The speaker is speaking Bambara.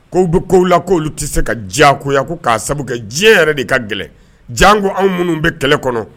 Ko bɛ kow la k' olu tɛ se ka diyakoya ko k'a sabu diɲɛ yɛrɛ de ka gɛlɛn jan ko anw minnu bɛ kɛlɛ kɔnɔ